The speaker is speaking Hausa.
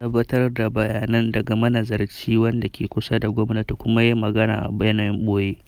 an tabbatar da bayanansu daga manazarci wanda ke kusa da gwamnati kuma yayi magana a yanayin boye.